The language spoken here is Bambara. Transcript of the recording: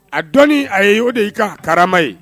A dɔn ni a ye o de y'i ka karama ye